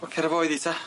Wel cer a fo iddi ta?